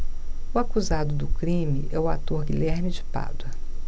o acusado do crime é o ator guilherme de pádua